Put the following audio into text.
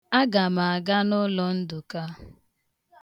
Ana m aga n'ụlọ Ndụka.